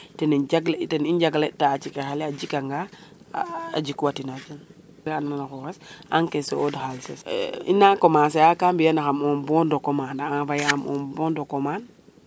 ten i jagle ten i jagle ta a cikaxa le a jika nga a jik wa tinan livrer ana xoxes encaisser od xalises e% ina commencer ka mbiya na xam un bon de commande a envoyer am un bon de commande